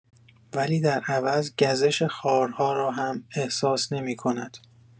ولی در عوض گزش خارها را هم احساس نمی‌کند.